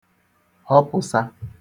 họpùsa